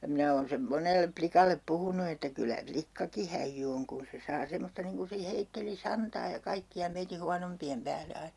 ja minä olen sen monelle likalle puhunut että kyllä likkakin häijy on kun se saa semmoista niin kun se heitteli santaa ja kaikkia meidän huonompien päälle aina